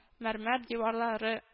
Мәрмәр, диварлары